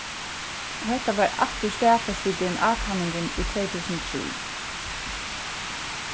og hetta var aftur staðfest við dna kanningum í tvey túsund og trý